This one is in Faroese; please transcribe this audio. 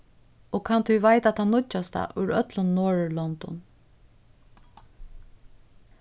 og kann tí veita tað nýggjasta úr øllum norðurlondum